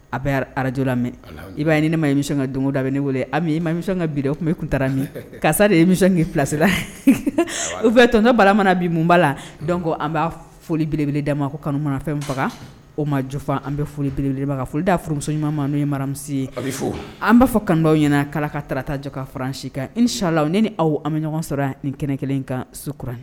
A bɛ araj la mɛn i b'a ɲini ne ma imi ka donda a bɛ ne weele a min mami ka biere o tun bɛ tunta min karisasa de yemi filasi i fɛ tɔ ne bala mana bi munba la dɔn ko an b'a foli beleb d'a ma ko kanu manafɛn faga o ma jofa an bɛ foli belebele ma foli d'a furumuso ɲuman ma n'o ye mara ye a bɛ fɔ an b'a fɔ kanubaw ɲɛna ala ka taarata jɔ ka fararan si kan ni sa ni ni aw an bɛ ɲɔgɔn sɔrɔ ni kɛnɛ kelen kan su kurauran ye